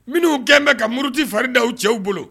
Minnu kɛlen bɛ ka muruti fari da u cɛw bolo.